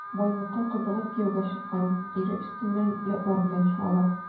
Байлыкка кызыгып кияүгә чыккан, ире өстеннән ятлар белән чуала.